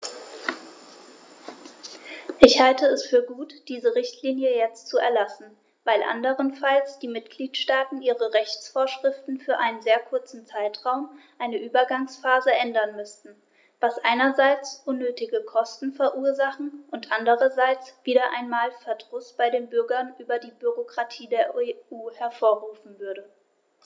Ich halte es für gut, diese Richtlinie jetzt zu erlassen, weil anderenfalls die Mitgliedstaaten ihre Rechtsvorschriften für einen sehr kurzen Zeitraum, eine Übergangsphase, ändern müssten, was einerseits unnötige Kosten verursachen und andererseits wieder einmal Verdruss bei den Bürgern über die Bürokratie der EU hervorrufen würde.